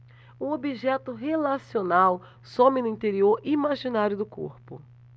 o objeto relacional some no interior imaginário do corpo